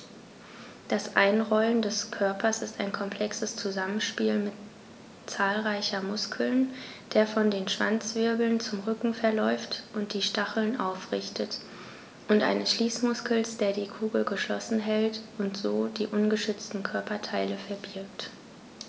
Das Einrollen des Körpers ist ein komplexes Zusammenspiel zahlreicher Muskeln, der von den Schwanzwirbeln zum Rücken verläuft und die Stacheln aufrichtet, und eines Schließmuskels, der die Kugel geschlossen hält und so die ungeschützten Körperteile verbirgt.